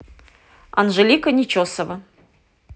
анжелика начесова